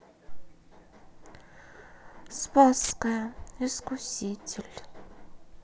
спасская искуситель